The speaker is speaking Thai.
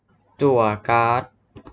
จั่วการ์ด